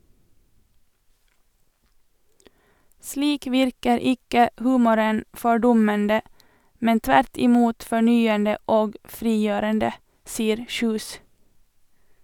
Slik virker ikke humoren fordummende, men tvert imot fornyende og frigjørende, sier Kjus.